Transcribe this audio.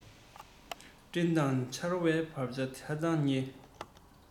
སྤྲིན དང ཆར བའི བར ཐག ཧ ཅང ཉེ